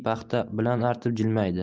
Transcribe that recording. paxta bilan artib jilmaydi